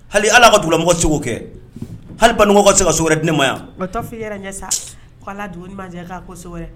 Hali ala ka dumɔgɔ cogo kɛ halibanmɔgɔ tɛ ka sogo di nema yanfin i yɛrɛ ɲɛ sa k' kosɛbɛ